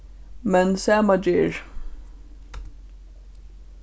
men sama ger